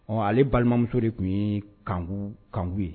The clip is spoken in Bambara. Ɔ ale balimamuso de tun ye kanku kanku ye